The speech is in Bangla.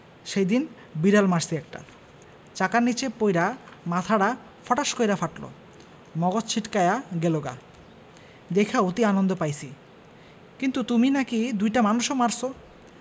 সেইদিন বিড়াল মারছি একটা চাকার নিচে পইড়া মাথাডা ফটাস কইরা ফাটলো মগজ ছিটকায়া গেলোগা দেইখা অতি আনন্দ পাইছি কিন্তু তুমি নাকি দুইটা মানুষও মারছো